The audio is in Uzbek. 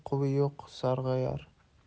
uquvi yo'q sarg'ayar